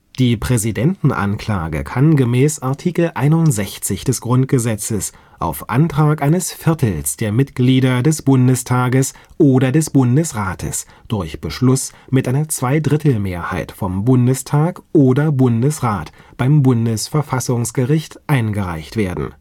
Die Präsidentenanklage kann gemäß Artikel 61 des Grundgesetzes auf Antrag eines Viertels der Mitglieder des Bundestages oder des Bundesrates durch Beschluss mit einer Zwei-Drittel-Mehrheit von Bundestag oder Bundesrat beim Bundesverfassungsgericht eingereicht werden